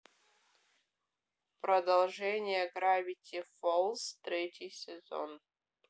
продолжение гравити фолз третий сезон